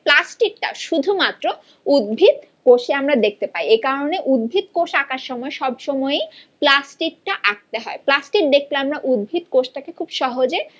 plastid টা শুধুমাত্র উদ্ভিদ কোষে আমরা দেখতে পাই এ কারণে উদ্ভিদ কোষ আকার সময় সব সময় প্লাস্টিড টা আঁকতে হয় প্লাস্টিক দেখে আমরা উদ্ভিদ কোষ কে খুব সহজে